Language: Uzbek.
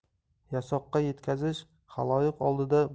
yasoqqa yetkazish xaloyiq oldida